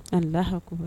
Allahou Akb